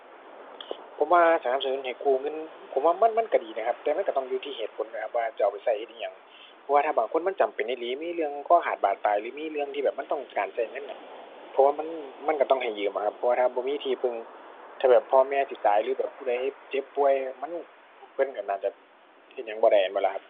ผมว่าสนับสนุนให้กู้เงิน ผมว่ามัน มันก็ดีนะครับ แต่มันก็ต้องอยู่ที่เหตุผลด้วยครับว่าจะเอาไปก็เฮ็ดอิหยัง เพราะว่าถ้าบางคนมันจำเป็นอีหลี มีเรื่องคอขาดบาดตาย หรือมีเรื่องที่แบบมันต้องการก็เงินอะ ผมว่ามัน มันก็ต้องให้ยืมอะครับ เพราะว่าถ้าบ่มีที่พึ่ง ถ้าแบบพ่อแม่สิตายหรือแบบผู้ใดเจ็บป่วย มัน เพิ่นก็น่าจะเฮ็ดหยังบ่ได้ แม่นบ่ล่ะครับ